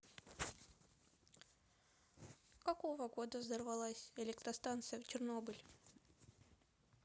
какого года взорвалась электростанция в чернобыль